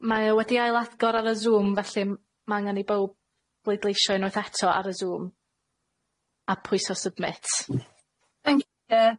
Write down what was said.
Mae o wedi ailagor ar y Zoom, felly m- ma' angan i bowb bleidleisio unwaith eto ar y Zoom, a pwyso submit... Thank you.